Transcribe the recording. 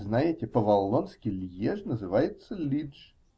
Знаете, по валлонски Льеж называется "Лидж"!